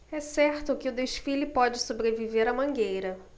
é certo que o desfile pode sobreviver à mangueira